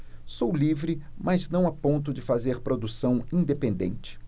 sou livre mas não a ponto de fazer produção independente